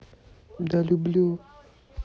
да люблю